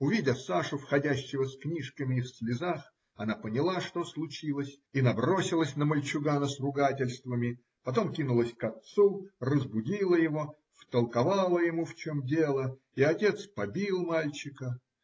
Увидя Сашу, входящего с книжками и в слезах, она поняла, что случилось, и набросилась на мальчугана с ругательствами, потом кинулась к отцу, разбудила его, втолковала ему, в чем дело, и отец побил мальчика.